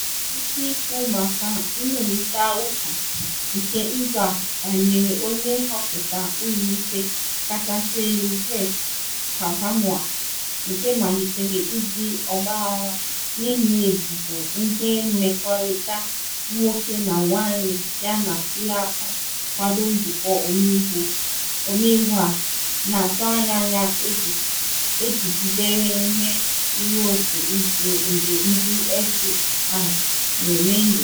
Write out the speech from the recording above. Trump nwere ike ikwu maka nnụrịta ụka nke izu a banyere onye nhọpụta Ụlọ Ikpe Kachasị Elu Brett Kavanaugh, nke malitere ịdị ọgbaghara n’ihi ebubo ihe mmekọrịta nwoke na nwanyị yana ntuli aka nkwado Nzụkọ Ọmeiwu a na-atụ anya ya ejigidere ihe ruru otu izu mgbe ndị FBI na-eme nyocha.